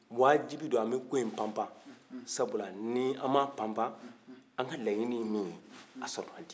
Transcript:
wajibi don an bɛ ko in pan-pan sabula ni an m'a pan-pan an ka laɲinin ye min ye a sɔrɔ man di